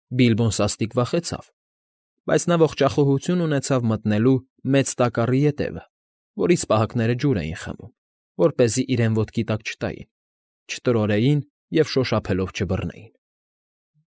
Բիլբոն սաստիկ վախեցավ, բայց նա ողջախոհություն ունեցավ մտնելու մեծ տակառի ետևը, որից պահակները ջուր էին խմում, որպեսզի իրեն ոտքի տակ չտային, չտրորեին և շոշափելով չբռնեին։ ֊